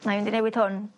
'Nai mynd i newid hwn.